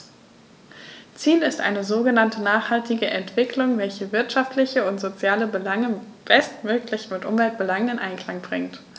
Ziel ist eine sogenannte nachhaltige Entwicklung, welche wirtschaftliche und soziale Belange bestmöglich mit Umweltbelangen in Einklang bringt.